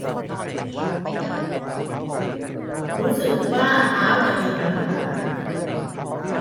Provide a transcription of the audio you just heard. รู้สึกว่าเท้าจะมีปัญหา